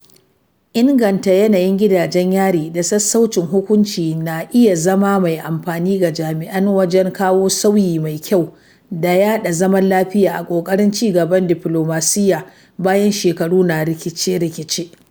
Inganta yanayin gidajen yari da sassaucin hukunci na iya zama mai amfani ga jami'an wajen kawo sauyi mai kyau da yaɗa zaman lafiya a ƙoƙarin cigaban diflomasiyya, bayan shekaru na rikice-rikice.